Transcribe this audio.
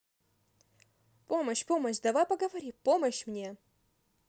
помощь помощь давай говори помощь мне